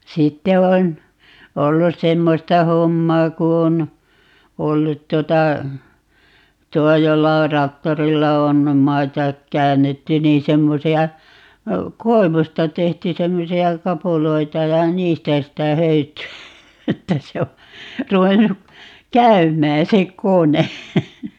sitten on ollut semmoista hommaa kun on ollut tuota tuo jolla on traktorilla on maita käännetty niin semmoisia koivusta tehty semmoisia kapuloita ja niistä sitä höytyä että se on ruvennut käymään se kone